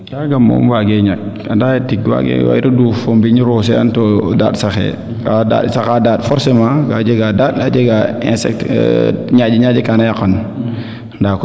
kaaga moom waage ñak anda tig waagiro duuf o mbiñ roose an to daand saxa daand forcement kaa jega daand kaa jega insecte ñaƴe ñaƴe ka na yaqan